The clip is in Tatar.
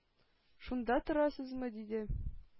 -шунда торасызмы? - диде.